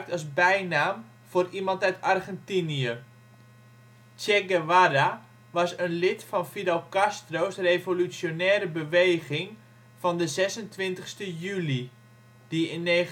als bijnaam voor iemand uit Argentinië. Che Guevara was een lid van Fidel Castro 's Revolutionaire Beweging van de 26e juli, die in 1959 in